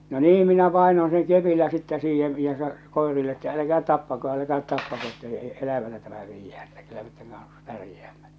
no niin minä painoin sen kepillä sitten siihen ja - koirille että älkää tappako älkää tappako että - elävänä tämä viedään että kyllä me tämän kanssa pärjäämme